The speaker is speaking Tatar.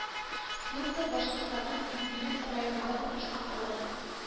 Слутка Башкортстанның Иглин районында урнашкан авыл